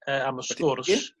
yy am y sgwrs.